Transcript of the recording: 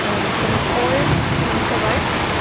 Yym so mae oer yn ansoddair.